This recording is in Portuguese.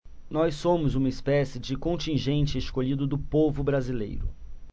nós somos uma espécie de contingente escolhido do povo brasileiro